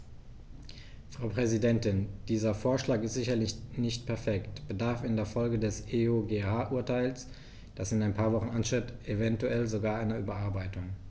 Frau Präsidentin, dieser Vorschlag ist sicherlich nicht perfekt und bedarf in Folge des EuGH-Urteils, das in ein paar Wochen ansteht, eventuell sogar einer Überarbeitung.